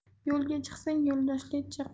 yo'lga chiqsang yo'ldoshli chiq